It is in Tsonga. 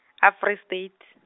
a- Freestate.